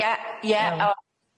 Ie ie o-